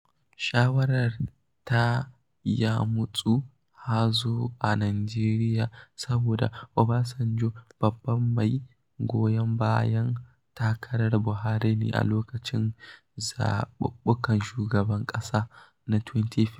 Shawarar ta yamutsa hazo a Najeriya saboda Obasanjo babban mai goyon bayan takarar Buhari ne a lokutan zaɓuɓɓukan shugaban ƙasa na 2015.